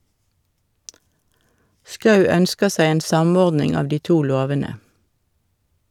Schou ønsker seg en samordning av de to lovene.